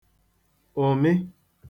ụ̀mị